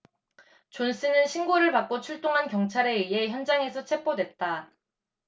존슨은 신고를 받고 출동한 경찰에 의해 현장에서 체포됐다